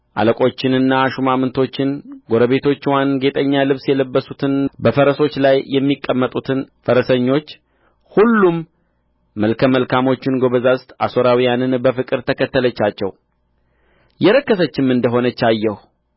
አለቆችንና ሹማምቶችን ጎረቤቶችዋን ጌጠኛ ልብስ የለበሱትን በፈረሶች ላይ የሚቀመጡትን ፈረሰኞች ሁሉም መልከ መልካሞችን ጐበዛዝት አሦራውያንን በፍቅር ተከተለቻቸው የረከሰችም እንደ ሆነች አየሁ